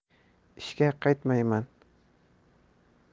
ishga qaytmayman